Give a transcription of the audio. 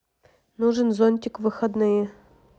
нужен зонтик в выходные